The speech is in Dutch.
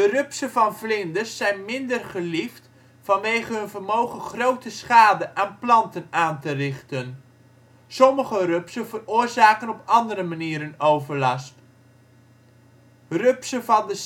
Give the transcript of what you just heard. rupsen van vlinders zijn minder geliefd vanwege hun vermogen grote schade aan planten aan te richten. Sommige rupsen veroorzaken op andere manieren overlast. Rupsen van de